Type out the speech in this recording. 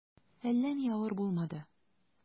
Әллә ни авыр булмады.